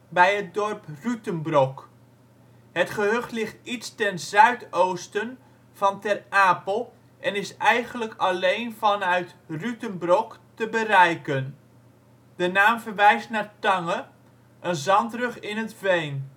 bij het dorp Rütenbrock. Het gehucht ligt iets ten zuidoosten van Ter Apel en is eigenlijk alleen vanuit Rütenbrock te bereiken. De naam verwijst naar tange, een zandrug in het veen